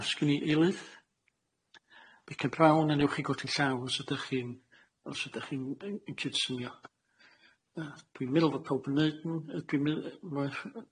A os genai eilydd? Beca Brown a newch chi godi llaw os os da chi'n cydseinio. A dwi'n meddwl fod pawb, dwi'n meddwl